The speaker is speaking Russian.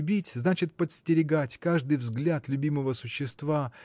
любить – значит подстерегать каждый взгляд любимого существа